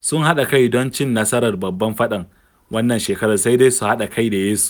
Sun haɗa kai domin su ci nasarar babban faɗan… wannan shekarar sai dai ku haɗa kai da Yesu.